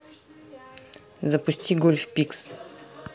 запусти гольф пикс